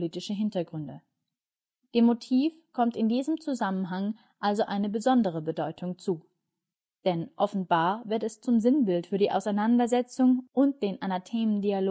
Motiv kommt in diesem Zusammenhang also eine besondere Bedeutung zu. Denn offenbar wird es zum Sinnbild für die Auseinandersetzung und den Anathemdialog zwischen Athen und Sparta